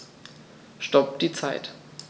Stopp die Zeit